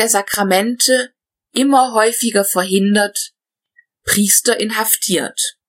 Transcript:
Sakramente immer häufiger verhindert, Priester inhaftiert